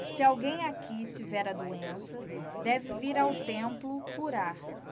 se alguém aqui tiver a doença deve vir ao templo curar-se